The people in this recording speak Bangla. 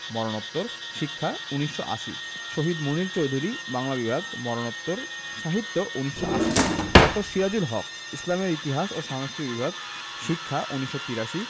মরণোত্তর শিক্ষা ১৯৮০ শহীদ মুনীর চৌধুরী বাংলা বিভাগ মরণোত্তর সাহিত্য ১৯৮০ ড. সিরাজুল হক ইসলামের ইতিহাস ও সংস্কৃতি বিভাগ শিক্ষা ১৯৮৩